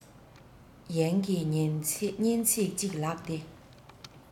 ཡན གྱི སྙན ཚིག ཅིག ལགས ཏེ